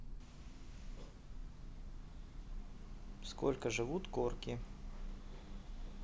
сколько живут корки